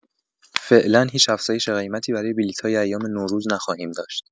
فعلا هیچ افزایش قیمتی برای بلیت‌های ایام نوروز نخواهیم داشت.